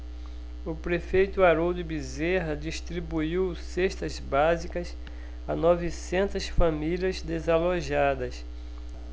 o prefeito haroldo bezerra distribuiu cestas básicas a novecentas famílias desalojadas